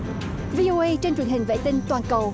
vi ô ây trên truyền hình vệ tinh toàn cầu